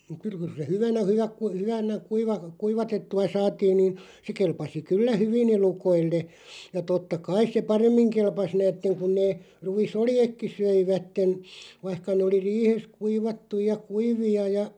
kyllä kyllä se hyvänä hyvä - hyvänä - kuivatettua saatiin niin se kelpasi kyllä hyvin elukoille ja totta kai se paremmin kelpasi näette kun ne ruisoljetkin söivät vaikka ne oli riihessä kuivattuja ja kuivia ja